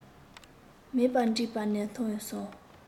མེད པར མགྲིན པ ནས ཐོན སོང